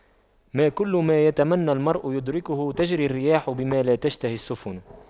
ما كل ما يتمنى المرء يدركه تجرى الرياح بما لا تشتهي السفن